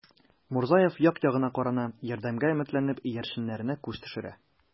Мурзаев як-ягына карана, ярдәмгә өметләнеп, иярченнәренә күз төшерә.